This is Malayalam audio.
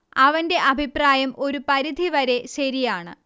അവന്റെ അഭിപ്രായം ഒരു പരിധി വരെ ശരിയാണ്